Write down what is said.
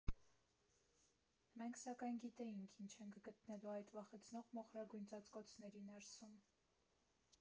Մենք, սակայն, գիտեինք՝ ինչ ենք գտնելու այդ վախեցնող մոխրագույն ծածկոցների ներսում…